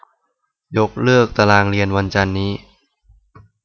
ยกเลิกตารางเรียนวันจันทร์นี้